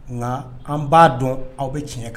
Nka an b'a dɔn aw bɛ tiɲɛ kan